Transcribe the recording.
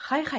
hay hay